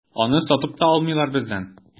Аны сатып та алмыйлар бездән.